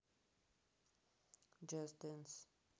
джас денс